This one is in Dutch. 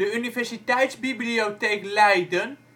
Universiteitsbibliotheek Leiden